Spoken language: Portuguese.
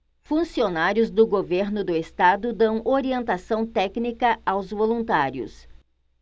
funcionários do governo do estado dão orientação técnica aos voluntários